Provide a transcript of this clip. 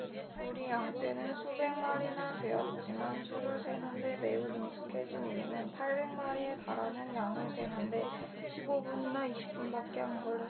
우리 양 떼는 수백 마리나 되었지만 수를 세는 데 매우 능숙해진 우리는 팔백 마리에 달하는 양을 세는 데 십 오 분이나 이십 분밖에 안 걸렸습니다